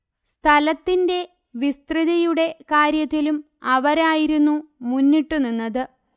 സ്ഥലത്തിന്റെ വിസ്തൃതിയുടെ കാര്യത്തിലും അവരായിരുന്നു മുന്നിട്ടുനിന്നത്